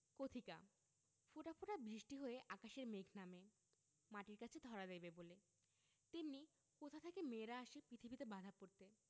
কথিকা ফোঁটা ফোঁটা বৃষ্টি হয়ে আকাশের মেঘ নামে মাটির কাছে ধরা দেবে বলে তেমনি কোথা থেকে মেয়েরা আসে পৃথিবীতে বাঁধা পড়তে